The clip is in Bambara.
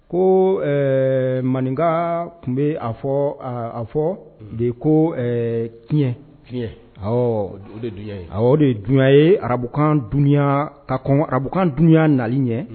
Ko ɛɛ maninka tun bɛ a fɔ de ko ɛɛ, unhun, tiɲɛn , awɔɔ, tiɲɛn, o de ye dunya ye, ka kɔn arabu kan, arabu kan dunya nali ɲɛ, unhun.